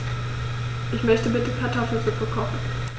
Ich möchte bitte Kartoffelsuppe kochen.